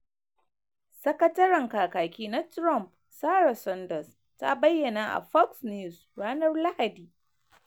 Sakataren Kakaki na Trump, Sara Saunders, ta bayyana a Fox News ranar Lahadi.